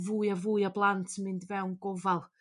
fwy a fwy o blant 'n mynd i fewn gofal.